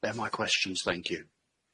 No more questions thank you.